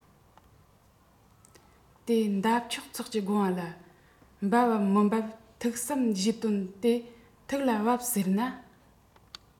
དེ འདབ ཆགས ཚོགས ཀྱི དགོངས པ ལ འབབ བམ མི འབབ ཐུགས བསམ བཞེས དོན དེ ཐུགས ལ བབས ཟེར ན